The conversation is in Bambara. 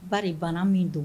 Ba de banna min don